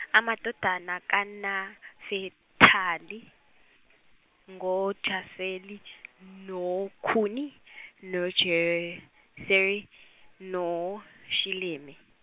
amadodana kaNafetali ngoJaseli, noGuni, noJeseri, noShilemi.